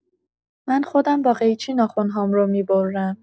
من خودم با قیچی ناخن‌هام رو می‌برم.